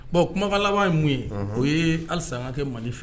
Bon kumaba laban ye mun ye o ye halisa kɛ mali fɛ